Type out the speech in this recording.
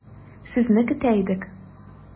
Сезне көтә идек.